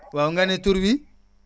waaw nga ne tur wi